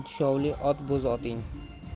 tushovli ot bo'z oting